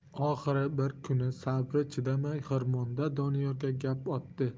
oxiri bir kuni sabri chidamay xirmonda doniyorga gap otdi